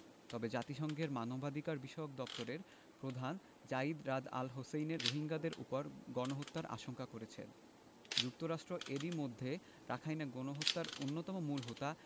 তবে জাতিসংঘের মানবাধিকারবিষয়ক দপ্তরের প্রধান যায়িদ রাদ আল হোসেইন রোহিঙ্গাদের ওপর গণহত্যার আশঙ্কা করেছেন যুক্তরাষ্ট্র এরই মধ্যে রাখাইনে গণহত্যার অন্যতম মূল হোতা